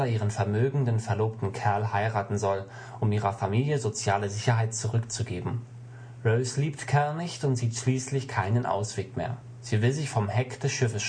ihren vermögenden Verlobten Cal heiraten soll, um ihrer Familie soziale Sicherheit zurückzugeben. Rose liebt Cal nicht und sieht schließlich keinen Ausweg mehr. Sie will sich vom Heck des Schiffes stürzen